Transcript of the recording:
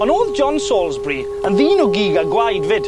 Ond o'dd John Salisbury yn ddyn o gig a gwaed 'fyd.